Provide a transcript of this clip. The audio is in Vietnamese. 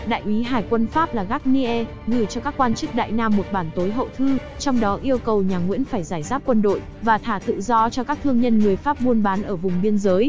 đại úy hải quân pháp là garnier gửi cho các quan chức đại nam bản tối hậu thư trong đó yêu cầu nhà nguyễn phải giải giáp quân đội và thả tự do cho các thương nhân người pháp buôn bán ở vùng biên giới